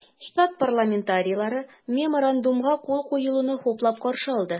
Штат парламентарийлары Меморандумга кул куелуны хуплап каршы алды.